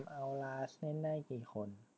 เกมเอ้าลาสเล่นได้กี่คน